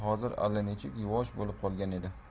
hozir allanechuk yuvosh bo'lib qolgan edi